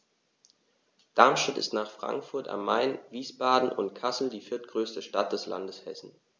Darmstadt ist nach Frankfurt am Main, Wiesbaden und Kassel die viertgrößte Stadt des Landes Hessen